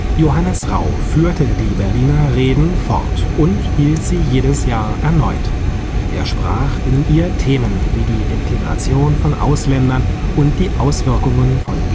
Johannes Rau führte die Berliner Reden fort und hielt sie jedes Jahr erneut. Er sprach in ihr Themen wie die Integration von Ausländern und die Auswirkungen von